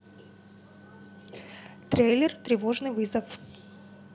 трейлер тревожный вызов